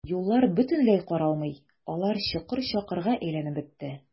Юллар бөтенләй каралмый, алар чокыр-чакырга әйләнеп бетте.